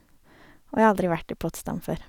Og jeg har aldri vært i Potsdam før.